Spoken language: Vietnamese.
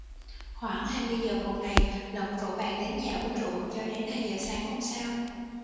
khoảng hai mươi giờ cùng ngày lực rủ bạn đến nhà uống rượu cho đến hai giờ sáng hôm sau